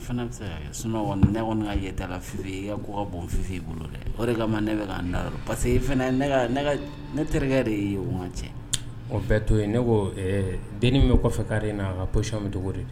Fana be se ka kɛ sinon kɔni ne kɔni ka yeta la Fifi e ka ko ka bon Fifi bolo dɛ o de kama ne be ka n da yɔrɔ parce que i fɛnɛ ye ne ka ne ka j ne terikɛ de y'i ye o ŋa cɛ o bɛɛ to ye ne koo ɛɛ denni min be kɔfɛ carré in na a ka position be togodi de